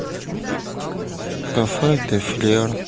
кафе де флер